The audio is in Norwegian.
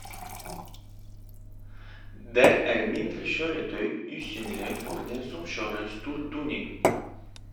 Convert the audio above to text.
Der er mindre kjøretøy usynlige for den som kjører stor doning.